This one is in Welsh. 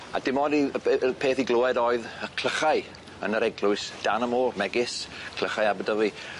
A dim ond i y p- y peth i glywed oedd y clychau yn yr eglwys dan y môr megis clychau Aberdyfi.